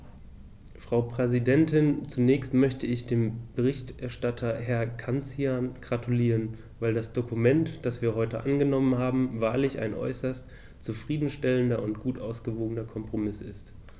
Frau Präsidentin, zunächst möchte ich dem Berichterstatter Herrn Cancian gratulieren, weil das Dokument, das wir heute angenommen haben, wahrlich ein äußerst zufrieden stellender und gut ausgewogener Kompromiss ist.